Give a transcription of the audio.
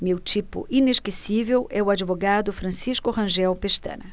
meu tipo inesquecível é o advogado francisco rangel pestana